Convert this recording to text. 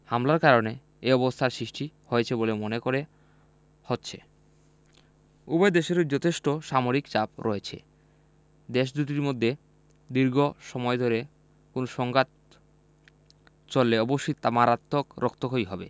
হামলার কারণে এ অবস্থার সৃষ্টি হয়েছে বলে মনে করে হচ্ছে উভয় দেশেই যথেষ্ট সামরিক চাপ রয়েছে দেশ দুটির মধ্যে দীর্ঘ সময় ধরে কোনো সংঘাত চললে অবশ্যই তা মারাত্মক রক্তক্ষয়ী হবে